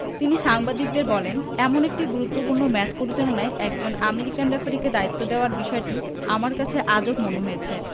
তিনি সাংবাদিকদের বলেন এমন একটি গুরুত্বপূর্ণ ম্যাচ পরিচালনায় একজন আমেরিকান রেফারিকে দায়িত্ব দেয়ার বিষয়টি আমার কাছে আজব মনে হয়েছে